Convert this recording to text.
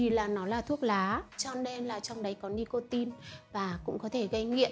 và vì nó là thuốc lá nên trong đấy có nicotin và cũng có thể gây nghiện